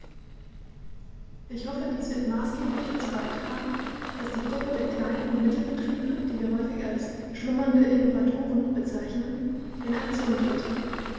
Ich hoffe, dies wird maßgeblich dazu beitragen, dass die Gruppe der Klein- und Mittelbetriebe, die wir häufig als "schlummernde Innovatoren" bezeichnen, in Aktion tritt.